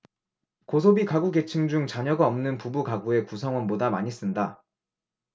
고소비가구계층 중 자녀가 없는 부부가구의 구성원보다 많이 쓴다